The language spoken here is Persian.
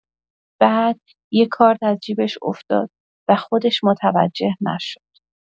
بعد یه کارت از جیبش افتاد و خودش متوجه نشد.